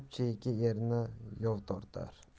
chiyki erni yov tortar